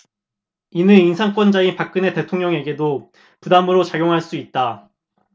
이는 인사권자인 박근혜 대통령에게도 부담으로 작용할 수 있다